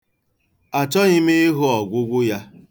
Achọghị ịhụ ọgwụgwụ ya.